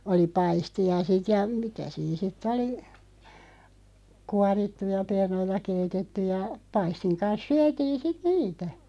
oli paistia sitten ja mitä siinä sitten oli kuorittuja perunoita keitetty ja paistin kanssa syötiin sitten niitä